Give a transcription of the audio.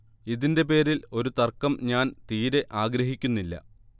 ഇതിന്റെ പേരിൽ ഒരു തർക്കം ഞാൻ തീരെ ആഗ്രഹിക്കുന്നില്ല